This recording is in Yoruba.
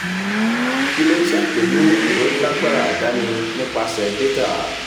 Ilé iṣẹ́ pè ní “Ìrónilágbára àdáni nípaṣẹ̀ dátà.”